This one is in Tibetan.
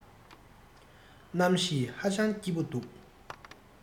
གནམ གཤིས ཧ ཅང སྐྱིད པོ འདུག